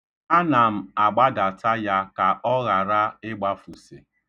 Ana m agbadata ya ka ọ ghara ịgbafusị.